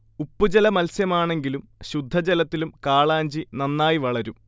ഉപ്പ്ജല മത്സ്യമാണെങ്കിലും ശുദ്ധജലത്തിലും കാളാഞ്ചി നന്നായി വളരും